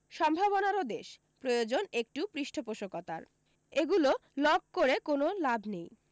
সম্ভাবনারও দেশ প্রয়োজন একটু পৃষ্ঠপোষকতার এগুলো লগ করে কোন লাভ নেই